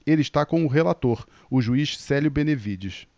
ele está com o relator o juiz célio benevides